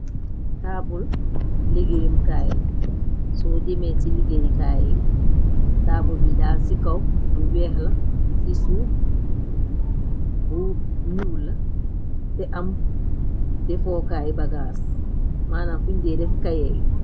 Taabul liggéeyum kaayy. Soo jemee ci liggéey kaay yi taabul bi daar ci kaw lu weex la ci suuf bu nuul la te am defookaay bagaas mana fuñde def kayeey.